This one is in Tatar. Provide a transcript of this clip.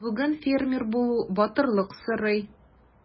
Бүген фермер булу батырлык сорый.